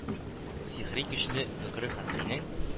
Сихри кичне бөкре фәтхинең